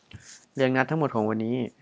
เรียงนัดทั้งหมดของวันนี้